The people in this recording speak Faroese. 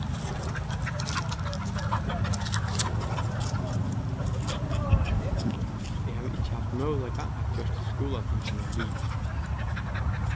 eg havi ikki havt møguleika at gjørt skúlatingini liðug